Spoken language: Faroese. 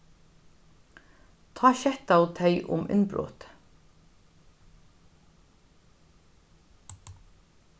tá skettaðu tey um innbrotið